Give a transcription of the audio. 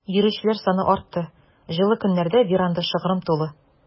Йөрүчеләр саны артты, җылы көннәрдә веранда шыгрым тулы.